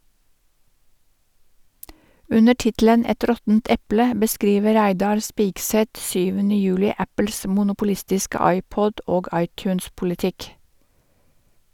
Under tittelen "Et råttent eple" beskriver Reidar Spigseth 7. juli Apples monopolistiske iPod- og iTunes-politikk.